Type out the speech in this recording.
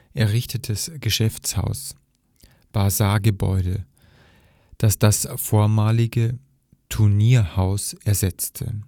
errichtetes Geschäftshaus („ Bazargebäude “), das das vormalige Turnierhaus ersetzte